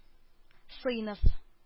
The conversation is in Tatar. Сыйныф